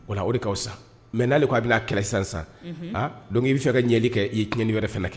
Ola o de ka wusa mais n'ale ko a bɛn'a kɛlɛ sisan san unhun aa donc i bi fɛ ka ɲɛli kɛ i ye tiɲɛli wɛrɛ fɛnɛ kɛ